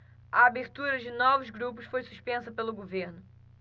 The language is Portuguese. a abertura de novos grupos foi suspensa pelo governo